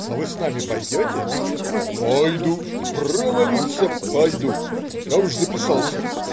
"А вы с нами пойдете?" - "Пойду, провалиться - пойду. я уж записался.